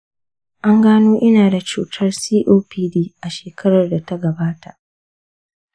an gano ina da cutar copd a shekarar da ta gabata.